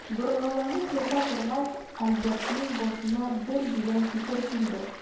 Боргаланып ята торгач, Альбертның башына бер дигән фикер килде.